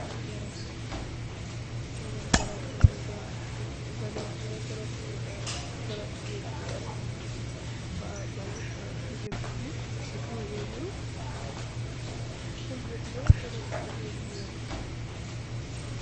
Mënamgrabbiñuy def ci gadab la garabr am garab wir byaran wa garabba yëkate ci kawoyu oyob la garabb wiir bu yaran